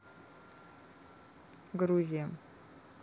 грузия